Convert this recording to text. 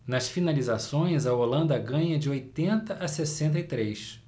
nas finalizações a holanda ganha de oitenta a sessenta e três